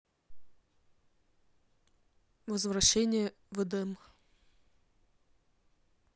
возвращение в эдем